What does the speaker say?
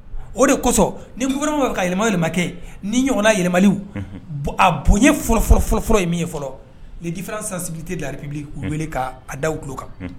O de kosɔn ni koma ka yɛlɛ de ma kɛ ni ɲɔgɔnna yɛlɛmaw a bonyaoro ye min ye fɔlɔdifi sansite laritibi k'u wele kaa dawu tulo kan